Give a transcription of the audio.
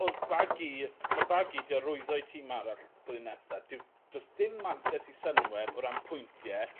o'dd Baguil ma' Baguil 'di arwyddo i tîm arall blwyddyn nesa dyw do's dim mantes i Sunweb o ran pwyntie